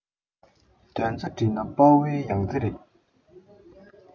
དོན རྩ བསྒྲིལ ན དཔའ བོའི ཡང རྩེ རེད